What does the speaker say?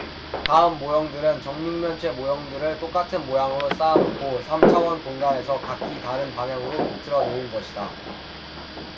다음 모형들은 정육면체 모형들을 똑같은 모양으로 쌓아놓고 삼 차원 공간에서 각기 다른 방향으로 비틀어 놓은 것이다